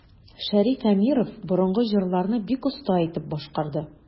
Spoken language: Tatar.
Шәриф Әмиров борынгы җырларны бик оста итеп башкарды.